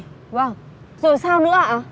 vầng rồi sao nữa ạ